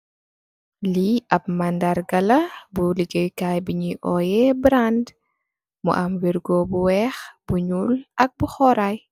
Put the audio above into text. Lii ab mandarga la bu legeeyu kaay bu oyee Brandr, mu am wergo bu, weex, nyuul ak bu xuraay